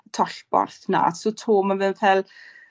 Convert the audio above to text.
tollborth 'na. So 'to ma' fe' ffel